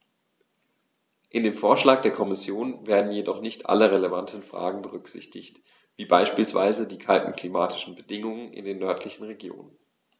In dem Vorschlag der Kommission werden jedoch nicht alle relevanten Fragen berücksichtigt, wie beispielsweise die kalten klimatischen Bedingungen in den nördlichen Regionen.